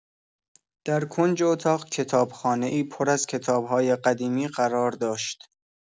در کنج اتاق، کتابخانه‌ای پر از کتاب‌های قدیمی قرار داشت.